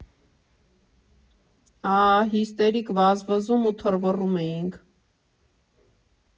Աաաա՜, հիստերիկ վազվզում ու թռվռում էինք։